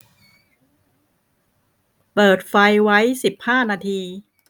เปิดไฟไว้สิบห้านาที